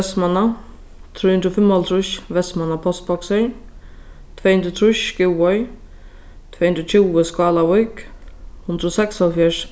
vestmanna trý hundrað og fimmoghálvtrýss vestmanna postboksir tvey hundrað og trýss skúvoy tvey hundrað og tjúgu skálavík hundrað og seksoghálvfjerðs